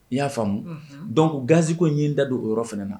N y'a faamumu dɔn gansiko ɲin da don o yɔrɔ fana na